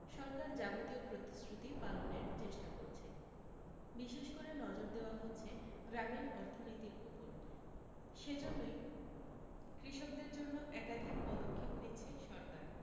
সরকার যাবতীয় প্রতিশ্রুতি পালনের চেষ্টা করছে বিশেষ করে নজর দেওয়া হচ্ছে গ্রামীণ অর্থনীতির উপর সে জন্যই কৃষকদের জন্য একাধিক পদক্ষেপ নিচ্ছে সরকার